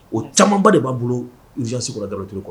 O camanba de b'a bolosikura dalot